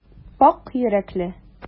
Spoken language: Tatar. Пакь йөрәкле.